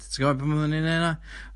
ti' g'od pam oedden ni'n neud ynna?